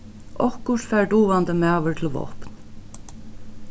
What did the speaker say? okkurt fær dugandi maður til vápn